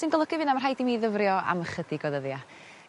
sy'n golygu fy' na'm rhaid i mi ddyfrio am ychydig o ddyddia.